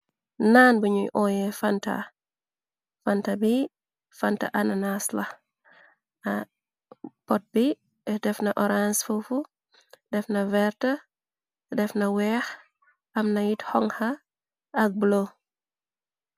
Naan buñuy oye fanta bi fanta ananasla pot bi defna orange fofu def na werta defna weex amna it hongha ak blo.